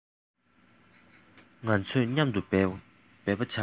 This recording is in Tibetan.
ང ཚོས མཉམ དུ འབད པ བྱ དགོས